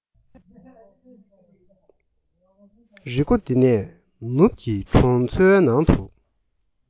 རི མགོ འདི ནས ནུབ གྱི གྲོང ཚོའི ནང དུ